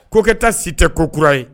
Ko kɛta si tɛ ko kura ye